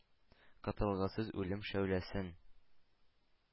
Котылгысыз үлем шәүләсен.